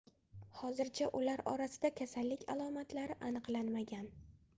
hozircha ular orasida kasallik alomatlari aniqlanmagan